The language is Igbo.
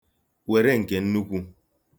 Were nke nnukwu.